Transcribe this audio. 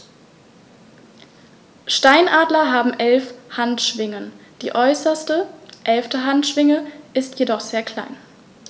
Steinadler haben 11 Handschwingen, die äußerste (11.) Handschwinge ist jedoch sehr klein.